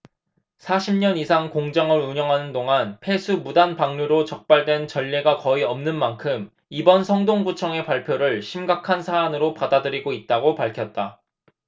사십 년 이상 공장을 운영하는 동안 폐수 무단 방류로 적발된 전례가 거의 없는 만큼 이번 성동구청의 발표를 심각한 사안으로 받아들이고 있다고 밝혔다